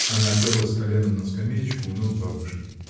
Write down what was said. Она оперлась коленом на скамеечку, у ног бабушки.